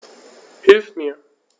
Hilf mir!